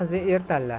boyning qizi er tanlar